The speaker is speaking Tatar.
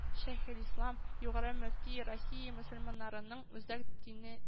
Шәйхелислам, югары мөфти, россия мөселманнарының үзәк дине